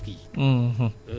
ba ci stock bi